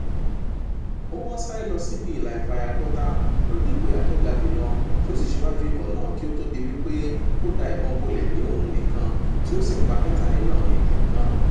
Ó wà ṣáré lọ sí ibi ìlà ìfàyàgbọta pẹ̀lú “Ìgbòyà tó ga jùlọ” tí ó sì siwájú ikọ̀ náà kí ó tó di wípé ó da ìbọn bolẹ̀ ní òun nìkan tí ó sì pà mẹ́tà nínú àwọn èni náà.